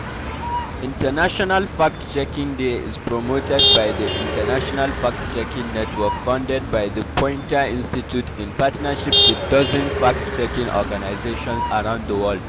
International Fact-Checking Day is promoted by the International Fact-Checking Network, founded by the Poynter institute in partnership with dozens fact-checking organizations around the world.